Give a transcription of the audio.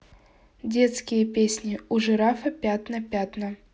детские песни у жирафа пятна пятна